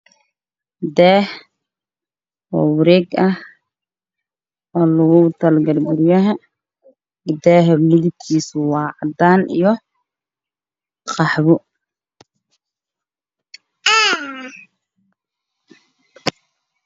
Daah oo wareeg ah oo loogu talagalay guryaha daaha midabkiisa waa cadaan iyo qaxwo.